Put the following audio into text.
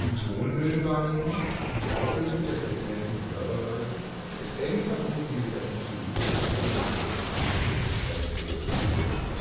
Tonhöhenwahrnehmung und die Auflösung der Frequenzen im Hörbereich ist eng verbunden mit der Physiologie des Innenohres und des auditorischen Gehirns